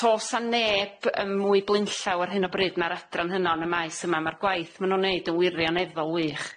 tos a neb yym mwy bleunllaw ar hyn o bryd ma'r adran hynna yn y maes yma ma'r gwaith ma' nw'n neud yn wirioneddol wych.